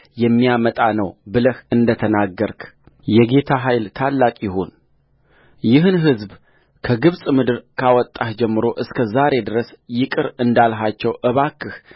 የሚያመጣ ነው ብለህ እንደ ተናገርህ የጌታ ኃይል ታላቅ ይሁንይህን ሕዝብ ከግብፅ ምድር ካወጣህ ጀምሮ እስከ ዛሬ ድረስ ይቅር እንዳልሃቸው እባክህ